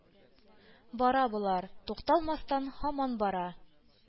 Бара болар. Тукталмастан һаман бара.